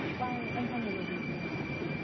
qua những âm thanh vừa rồi thì bạn